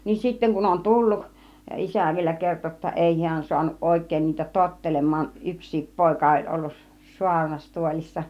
niin sitten kun on tullut isä vielä kertoi jotta ei hän saanut oikein niitä tottelemaan yksikin poika oli ollut saarnastuolissa